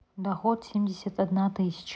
доход семьдесят одна тысяча